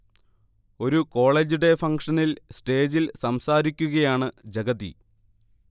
ഒരു college day ഫംഗ്ഷനിൽ സ്റ്റേജിൽ സംസാരിക്കുകയാണ് ജഗതി